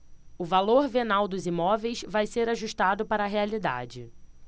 o valor venal dos imóveis vai ser ajustado para a realidade